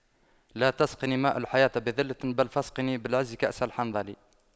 لا تسقني ماء الحياة بذلة بل فاسقني بالعز كأس الحنظل